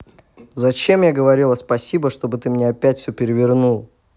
зачем я говорила спасибо чтобы ты мне опять все перевернул